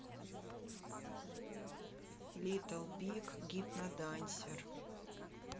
литл биг гипнодансер